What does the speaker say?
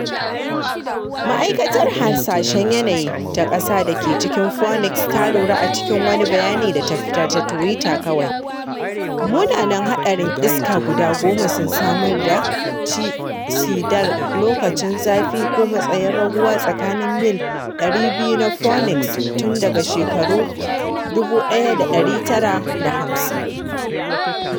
Ma’aikatar Hasashen Yanayi ta Ƙasa da ke cikin Phoenix ta lura a cikin wani bayani da ta fitar ta Twitter kawai “Munanan haɗarin iska guda goma sun samar da cidar lokacin zafi ko matsayin raguwa tsakanin mil 200 na Phoenix tun daga shekarun 1950!